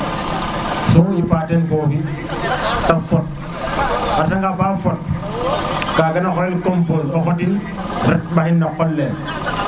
so yipa den fofite fota rete nga ba fot ka ga na xoyel compose o xotin ɓaxin no qol le